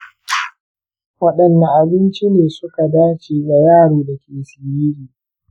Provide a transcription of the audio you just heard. wadanne abinci ne suka dace ga yaro da yake siriri?